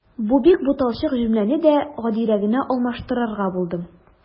Бу бик буталчык җөмләне дә гадиерәгенә алмаштырырга булдым.